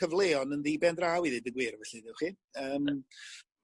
cyfleon yn ddi ben draw i ddeud yn gwir felly ynde wch chi yn